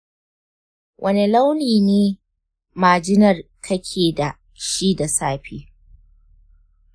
wane launi ne majinar ka ke da shi da safe?